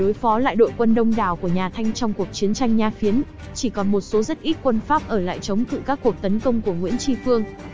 để đối phó lại đội quân đông đảo của nhà thanh trong cuộc chiến tranh nha phiến chỉ còn một số rất ít quân pháp ở lại chống cự các cuộc tấn công của nguyễn tri phương